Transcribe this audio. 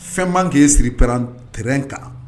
Fɛn man terrain kan.